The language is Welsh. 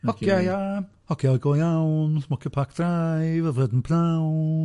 Ocea ia, ocea go iawn, Smokia Park Drive, a flod yn pnawn.